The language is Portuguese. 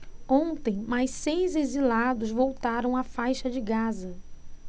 ontem mais seis exilados voltaram à faixa de gaza